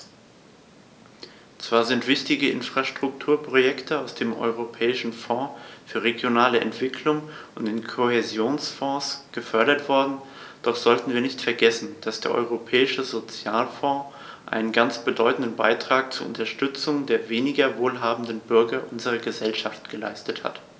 Zwar sind wichtige Infrastrukturprojekte aus dem Europäischen Fonds für regionale Entwicklung und dem Kohäsionsfonds gefördert worden, doch sollten wir nicht vergessen, dass der Europäische Sozialfonds einen ganz bedeutenden Beitrag zur Unterstützung der weniger wohlhabenden Bürger unserer Gesellschaft geleistet hat.